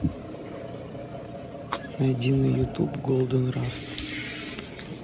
найди на ютуб голден раст